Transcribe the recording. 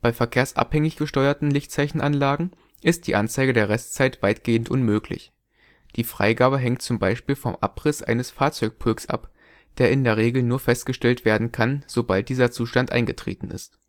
verkehrsabhängig gesteuerten Lichtzeichenanlagen ist die Anzeige der Restzeit weitgehend unmöglich. Die Freigabe hängt z. B. vom Abriss eines Fahrzeugpulks ab, der in der Regel nur festgestellt werden kann, sobald dieser Zustand eingetreten ist